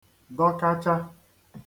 dọkacha